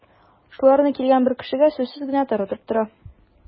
Шуларны килгән бер кешегә сүзсез генә таратып тора.